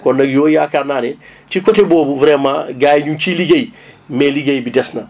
kon nag yooyu yaakaar naa ne ci côté boobu vraiment gars yi ñu ngi ciy liggéey mais liggéey bi des na